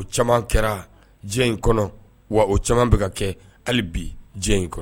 O caman kɛra jɛ in kɔnɔ wa o caman bɛ ka kɛ hali bi jɛ in kɔnɔ